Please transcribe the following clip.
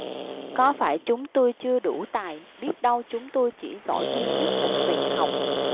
có phải chúng tôi chưa đủ tài biết đâu chúng tôi chỉ giỏi duy nhất một việc học